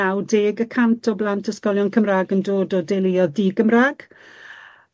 naw deg y cant o blant ysgolion Cymra'g yn dod o deuluodd di-Gymra'g.